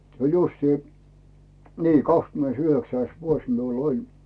se oli justiin niin kahdeskymmenesyhdeksäs vuosi minulla oli